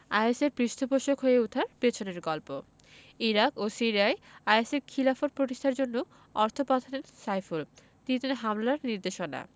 আইএসের পৃষ্ঠপোষক হয়ে ওঠার পেছনের গল্প ইরাক ও সিরিয়ায় আইএসের খিলাফত প্রতিষ্ঠার জন্য অর্থ পাঠাতেন সাইফুল দিতেন হামলার নির্দেশনা